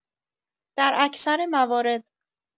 در اکثر موارد